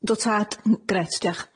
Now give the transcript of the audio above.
Yndw tad. M- grêt, diolch.